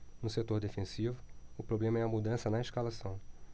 no setor defensivo o problema é a mudança na escalação